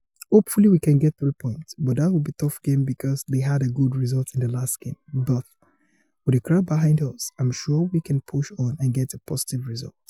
Hopefully, we can get three points but that will be tough game because they had a good result in their last game but, with the crowd behind us, I'm sure we can push on and get a positive result.